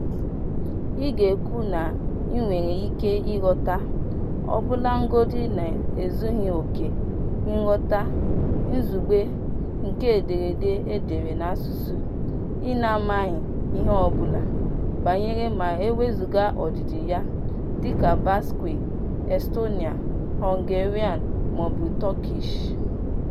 Ị ga-ekwu na ị nwere ike ịghọta - ọbụlagodi n'ezughị oke - nghọta izugbe nke ederede e dere n'asụsụ ị n'amaghị ihe ọ bụla banyere (ma ewezuga ọdịdị ya) dị ka Basque, Estonia, Hungarian maọbụ Turkish?